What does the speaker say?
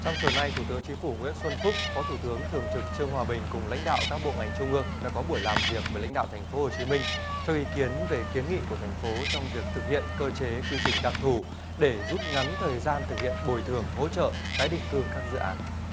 trong chiều nay thủ tướng chính phủ nguyễn xuân phúc phó thủ tướng thường trực trương hòa bình cùng lãnh đạo các bộ ngành trung ương đã có buổi làm việc với lãnh đạo thành phố hồ chí minh cho ý kiến về kiến nghị của thành phố trong việc thực hiện cơ chế quy trình đặc thù để rút ngắn thời gian thực hiện bồi thường hỗ trợ tái định cư các dự án